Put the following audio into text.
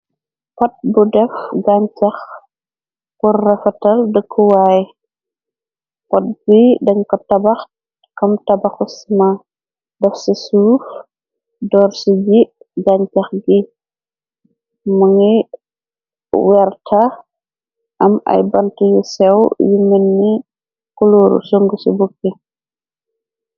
Pot bu def gañcex purrafatal dëkkuwaay pot bi dañ ko tabax kom tabaxu sna def ci suuf door ci ji gañcex gi mangi werta am ay bant yu sew yu menni kuluuru sung ci bukki.